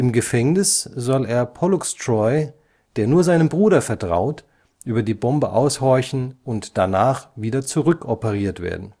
Gefängnis soll er Pollux Troy – der nur seinem Bruder vertraut – über die Bombe aushorchen und danach wieder zurückoperiert werden